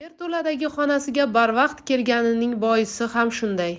yerto'ladagi xonasiga barvaqt kelganining boisi ham shunday